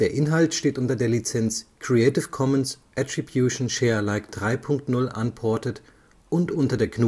Inhalt steht unter der Lizenz Creative Commons Attribution Share Alike 3 Punkt 0 Unported und unter der GNU